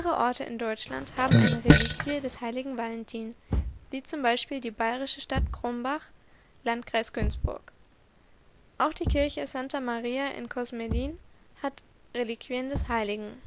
Orte in Deutschland haben eine Reliquie des hl. Valentin, wie zum Beispiel die bayerische Stadt Krumbach, Landkreis Günzburg. Auch die Kirche Santa Maria in Cosmedin hat Reliquien des Heiligen